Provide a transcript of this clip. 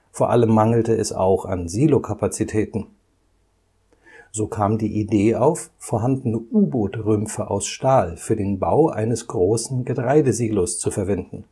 vor allem mangelte es auch an Silokapazitäten. So kam die Idee auf, vorhandene U-Boot-Rümpfe aus Stahl für den Bau eines großen Getreidesilos zu verwenden